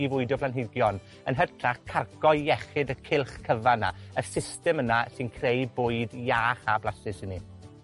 i fwydo blanhigion, yn hytrach carco iechyd y cylch cyfan 'na, y system yna sy'n creu bwyd iach a blasus i ni.